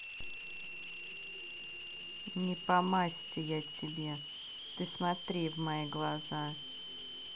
не по масти я тебе ты смотри в мои глаза